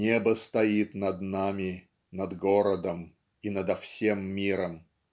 "Небо стоит над нами, над городом и надо всем миром.